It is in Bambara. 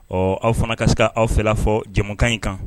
Ɔ aw fana kas se aw fɛ fɔ jamukan ɲi kan